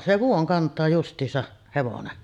se vuoden kantaa justiinsa hevonen